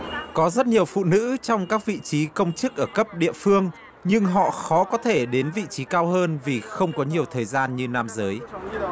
có rất nhiều phụ nữ trong các vị trí công chức ở cấp địa phương nhưng họ khó có thể đến vị trí cao hơn vì không có nhiều thời gian như nam giới